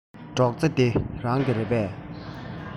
སྒྲོག རྩེ འདི རང གི རེད པས